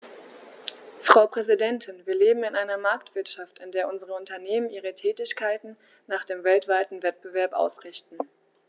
Frau Präsidentin, wir leben in einer Marktwirtschaft, in der unsere Unternehmen ihre Tätigkeiten nach dem weltweiten Wettbewerb ausrichten.